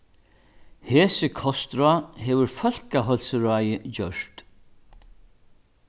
hesi kostráð hevur fólkaheilsuráðið gjørt